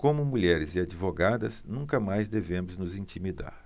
como mulheres e advogadas nunca mais devemos nos intimidar